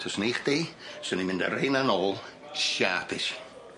Twswn i chdi swn i'n mynd â rheina nôl sharpish.